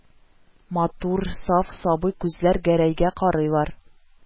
Матур, саф, сабый күзләр Гәрәйгә карыйлар